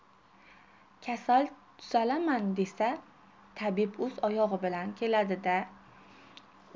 kasal tuzalaman desa tabib o'z oyog'i bilan keladida